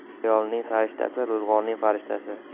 ayolning sarishtasi ro'zg'orning farishtasi